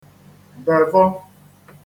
bèvọ